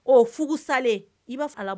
Ɔ fu salen i b'a la